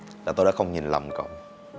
là tôi đã không nhìn lầm cậu